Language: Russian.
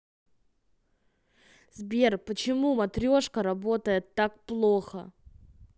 сбер почему матрешка работает так плохо